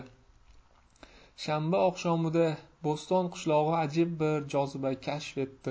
shanba oqshomida bo'ston qishlog'i ajib bir joziba kashf etdi